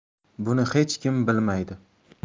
buni hech kim bilmaydi